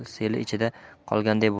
olov seli ichida qolganday bo'ldi